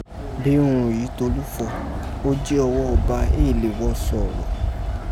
bii urun yìí Tolú fọ̀, ó jí ọwọ́ Ọba éè le wọ sọ̀ọ̀lọ̀.